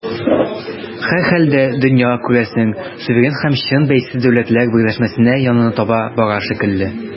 Һәрхәлдә, дөнья, күрәсең, суверен һәм чын бәйсез дәүләтләр берләшмәсенә янына таба бара шикелле.